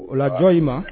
O lajɔ i ma